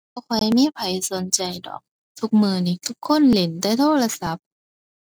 บ่ค่อยมีไผสนใจดอก ทุกมื้อนี้ ทุกคนเล่นแต่โทรศัพท์